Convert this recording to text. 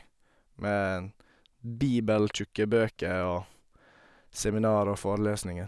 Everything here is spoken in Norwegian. Med bibeltjukke bøker og seminar og forelesninger.